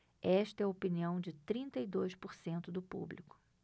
esta é a opinião de trinta e dois por cento do público